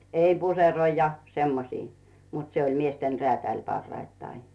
ei puseroita ja semmoisia mutta se oli miesten räätäli parhaittain